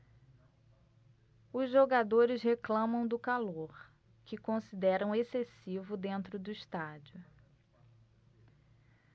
os jogadores reclamam do calor que consideram excessivo dentro do estádio